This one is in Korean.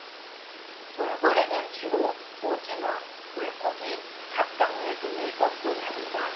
돌고래는 주로 오징어 물고기 갑각류 등을 먹고 삽니다